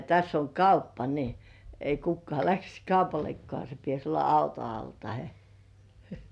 ja tässä on kauppa niin ei kukaan lähtisi kaupallekaan se pitäisi olla auto alla tai